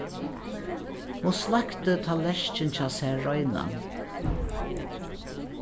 hon sleikti tallerkin hjá sær reinan